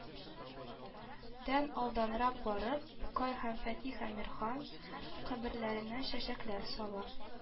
Дән алданрак барып, тукай һәм фатих әмирхан каберләренә чәчәкләр сала